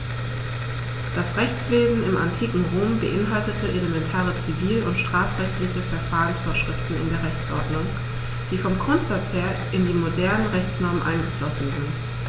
Das Rechtswesen im antiken Rom beinhaltete elementare zivil- und strafrechtliche Verfahrensvorschriften in der Rechtsordnung, die vom Grundsatz her in die modernen Rechtsnormen eingeflossen sind.